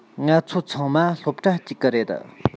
ང ཚོ ཚང མ སློབ གྲྭ གཅིག གི རེད